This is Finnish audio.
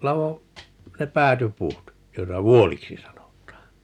ladoin ne päätypuut joita vuoliksi sanotaan -